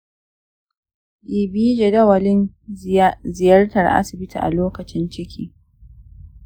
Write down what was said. bibiyi jadawalin ziyartar asibiti a lokacin ciki